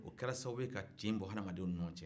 o kɛra sababu ye ka tin bɔ adamadenw ni ɲɔgɔn cɛ